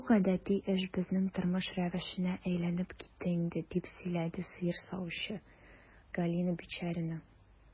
Бу гадәти эш, безнең тормыш рәвешенә әйләнеп китте инде, - дип сөйләде сыер савучы Галина Бичарина.